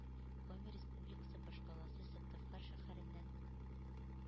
Коми республикасы башкаласы Сыктывкар шәһәреннән